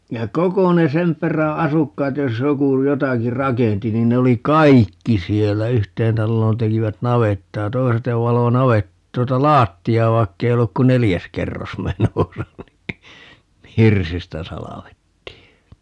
ja koko ne sen perän asukkaat jos joku jotakin rakensi niin ne oli kaikki siellä yhteen taloon tekivät navettaa toiset ne valoi - tuota lattiaa vaikka ei ollut kuin neljäs kerros menossa niin hirsistä salvettiin